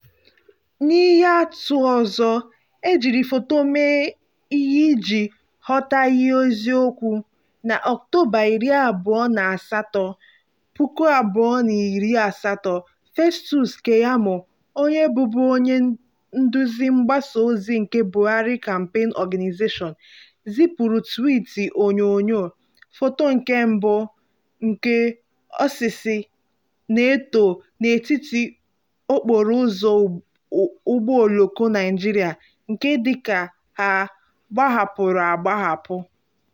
N'ihe atụ ọzọ, e jiri foto mee ihe iji ghọtahie eziokwu. Na Ọktoba 28, 2018, Festus Keyamo, onye bụbu onye nduzi mgbasa ozi nke Buhari Campaign Organisation, zipụrụ twiiti onyonyo (Foto nke 1) nke osisi na-eto n'etiti okporo ụzọ ụgbọ oloko Naịjirịa nke dịka a gbahapụrụ agbahapụ: